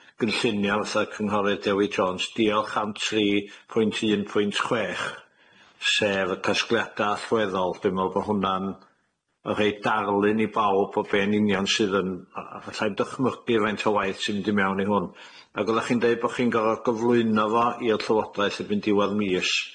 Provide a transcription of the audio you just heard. gynllunia fatha cynghorydd Dewi Jones diolch am tri pwynt un pwynt chwech sef y casgliada allweddol dwi'n me'wl bo' hwnna'n yn rheid darlun i bawb o be yn union sydd yn yy allai'n dychmygu faint o waith sy'n mynd i mewn i hwn ag odda chi'n deud bo' chi'n gor'o' gyflwyno fo i'r llywodraeth erbyn diwadd mis.